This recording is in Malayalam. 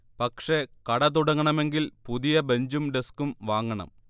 പക്ഷെ കട തുടങ്ങണമെങ്കിൽ പുതിയ ബഞ്ചും ഡസ്ക്കും വാങ്ങണം